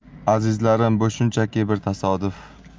azizlarim bu shunchaki bir tasodif